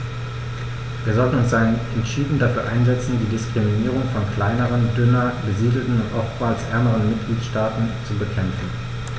Wir sollten uns daher entschieden dafür einsetzen, die Diskriminierung von kleineren, dünner besiedelten und oftmals ärmeren Mitgliedstaaten zu bekämpfen.